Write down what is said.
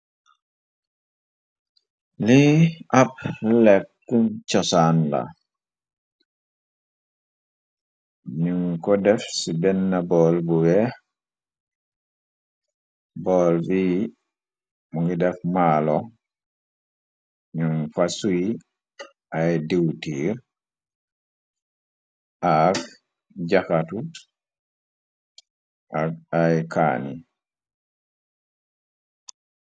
li ab lekku cosaan la num ko def ci benna bool bu weex bool vii mu ngi def mbaalo nu fa suy ay diiw tiir aak jaxatu ak ay kaani